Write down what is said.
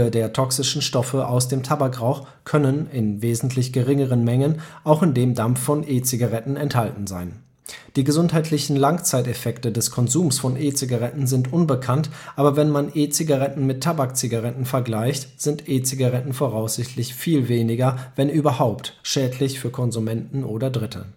der toxischen Stoffe aus dem Tabakrauch können, in wesentlich geringeren Mengen, auch in dem Dampf von E-Zigaretten enthalten sein. Die gesundheitlichen Langzeiteffekte des Konsums von E-Zigaretten sind unbekannt aber wenn man E-Zigaretten mit Tabakzigaretten vergleicht, sind E-Zigaretten voraussichtlich viel weniger, wenn überhaupt, schädlich für Konsumenten oder Dritte